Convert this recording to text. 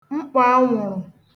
mkpọ̀anwụ̀rụ̀